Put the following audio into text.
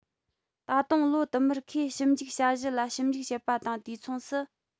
ད དུང ལོ དུ མར ཁོས ཞིབ འཇུག བྱ གཞི ལ ཞིབ འཇུག བྱེད པ དང དུས མཚུངས སུ